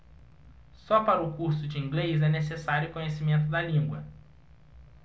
só para o curso de inglês é necessário conhecimento da língua